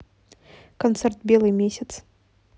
концерт белый месяц